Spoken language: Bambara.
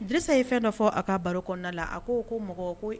Disa ye fɛn dɔ fɔ a ka baro kɔnɔnada la a ko ko mɔgɔ ko